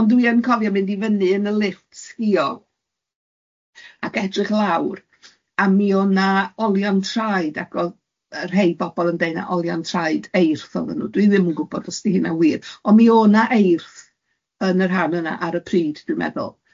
Ond dwi yn cofio mynd i fyny yn y lifft sgïo ac edrych lawr, a mi o'na olion traed ac oedd yy rhai bobol yn dweud na olion traed eirth oedden nhw. Dwi ddim yn gwybod os ydy hynna'n wir, ond mi oedd na eirth yn y rhan yna ar y pryd dwi'n meddwl.